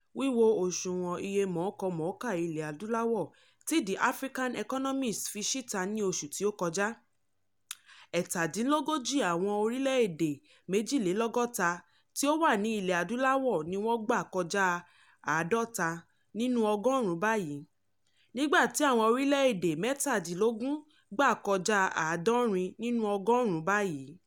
Wíwo òṣùwọ̀n iye ìmọ̀ọ́kọmọ̀ọ́kà ilẹ̀ Adúláwò tí The African Economist fi síta ní oṣù tí ó kọjá, 37 nínú àwọn orílẹ̀ èdè 52 tí ó wà ní Ilẹ̀ Adúláwò ní wọ́n gbà kọjá 50 nínú ọgọ́rùn-ún báyìí, nígbà tí àwọn orílẹ̀ èdè 17 gbà kọjá 70 nínú ọgọ́rùn-ún báyìí.